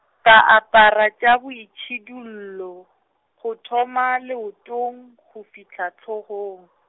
ka apara tša boitšhidullo, go thoma leotong, go fihla hlogong .